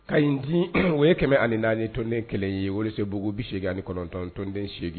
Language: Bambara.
Ka ɲi di o ye kɛmɛ ani naani nitɔnonden kelen ye walasa se bbugu bɛ segin nitɔntɔnonden8egin